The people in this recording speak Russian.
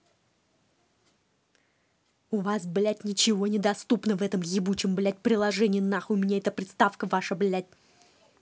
у вас блять ничего не доступно в этом ебучем блядь предложении нахуй мне эта приставка ваша блядь